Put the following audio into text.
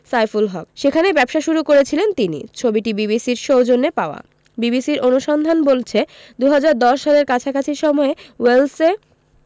সাইফুল হক সেখানে ব্যবসা শুরু করেছিলেন তিনি ছবিটি বিবিসির সৌজন্যে পাওয়া বিবিসির অনুসন্ধান বলছে ২০১০ সালের কাছাকাছি সময়ে ওয়েলসে